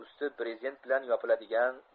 usti brezent bilan yopiladigan